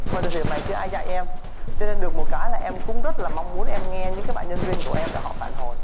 vào thời điểm này chưa ai dạy em cho nên được một cái là em cũng rất là mong muốn em nghe những cái bạn nhân viên của em là họ phản hồi